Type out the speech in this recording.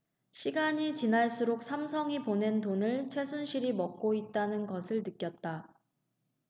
시간이 지날수록 삼성이 보낸 돈을 최순실이 먹고 있다는 것을 느꼈다